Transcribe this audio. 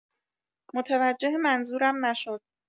متوجه منظورم نشد.